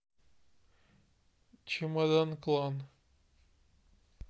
чемодан клан